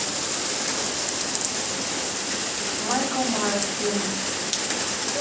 майкл майерс фильм